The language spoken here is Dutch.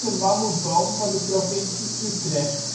mammoetboom van de provincie Utrecht